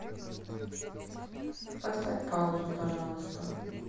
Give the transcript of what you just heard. поставь паузу пожалуйста